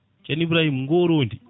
ceerno Ibrahima gorondi